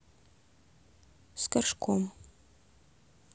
с горшком